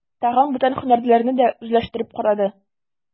Тагын бүтән һөнәрләрне дә үзләштереп карады.